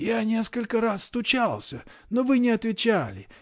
-- Я несколько раз стучался, но вы не отвечали